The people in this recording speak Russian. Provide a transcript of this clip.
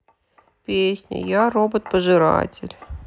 песня я робот пожиратель